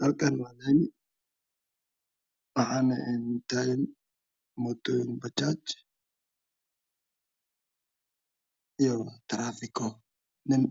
Halkaan waa laami waxaa taagan mooto bajaaj iyo nin